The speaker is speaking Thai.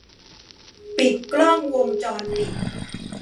ปิดกล้องวงจรปิด